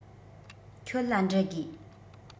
ཁྱོད ལ འདྲི དགོས